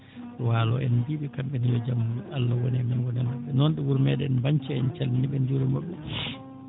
Waalo en mbiyii ɓe kamɓe ne yo jam Allah won e men wona e maɓɓe noon ɗo wuro meeɗen Bañca en calminii ɓe en njuuriima ɓe